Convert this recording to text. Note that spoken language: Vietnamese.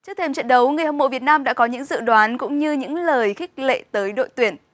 trước thềm trận đấu người hâm mộ việt nam đã có những dự đoán cũng như những lời khích lệ tới đội tuyển